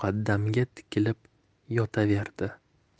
muqaddamga tikilib yotaverdi